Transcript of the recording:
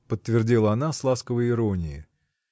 — подтвердила она с ласковой иронией.